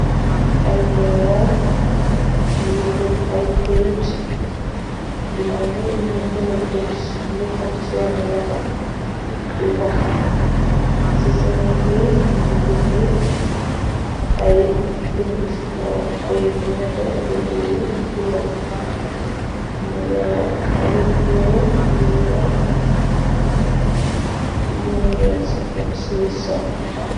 Ay meer yu ngob ay keyit di menni ñuy polotix i yekkti seeni laxo di wax ci seeni këyit mi ngi bind ay bind ci kawom pey di nete bind yu bule mu ngi wax repeel yidi wax xumeer sacon sii son.